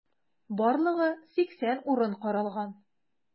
Барлыгы 80 урын каралган.